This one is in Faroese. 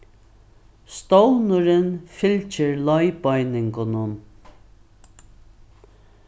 stovnurin fylgir leiðbeiningunum